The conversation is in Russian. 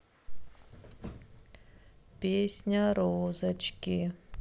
песня розочки